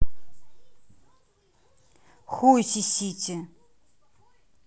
хуй сисити